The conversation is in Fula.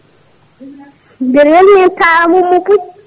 mbeɗe welni hen kawam Mamadou